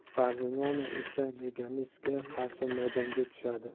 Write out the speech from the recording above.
barselona esa leganes ga qarshi maydonga tushadi